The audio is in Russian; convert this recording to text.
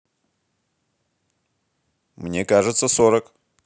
мне кажется сорок